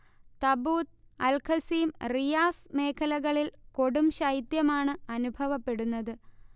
Tabuk, Al Qassim, Riyadh മേഖലകളിൽ കൊടുംശൈത്യമാണ് അനുഭവപ്പെടുന്നത്